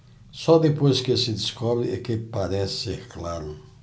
só depois que se descobre é que parece ser claro